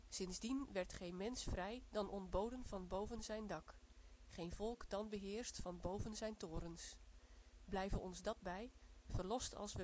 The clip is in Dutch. Sindsdien werd geen mens vrij dan ontboden van boven zijn dak, geen volk dan beheerst van boven zijn torens. Blijve ons dat bij, verlost als